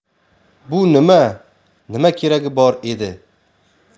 bu nima nima keragi bor edi